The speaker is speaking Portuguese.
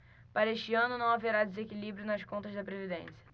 para este ano não haverá desequilíbrio nas contas da previdência